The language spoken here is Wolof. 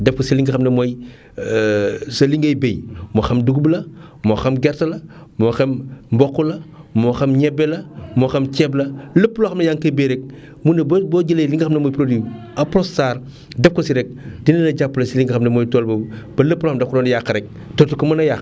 def ko si li nga xam ne mooy sa li ngay bay moo xam dugub la moo xam gerte la moo xam mboq la moo xam ñebe la moo xam ceeb la lépp loo xam ne yaa ngi koy bay rek mu ne boo boo jëlee li nga xam ne mooy produit Apronstar def ko si rek dina la jàppale si li nga xam ne mooy tool boobu ba lépp loo xam ne da nga ko doon yàq rek dootu ko mën a yàq